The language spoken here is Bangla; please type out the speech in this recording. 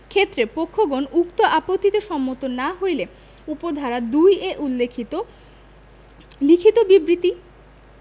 ক্ষেত্রে পক্ষগণ উক্ত আপত্তিতে সম্মত না হইরে উপ ধারা ২ এ উল্লেখিত লিখিত বিবৃতি